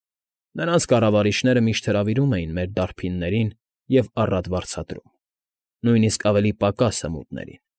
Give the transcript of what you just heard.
Նրանց կառավարիչները միշտ հրավիրում էին մեր դարբիններին և առատ վարձատրում, նույնիսկ ավելի պակաս հմուտներին։